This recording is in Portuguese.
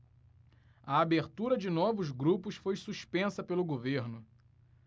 a abertura de novos grupos foi suspensa pelo governo